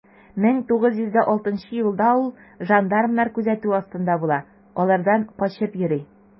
1906 елда ул жандармнар күзәтүе астында була, алардан качып йөри.